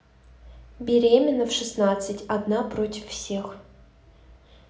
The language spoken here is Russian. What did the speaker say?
беременна в шестнадцать одна против всех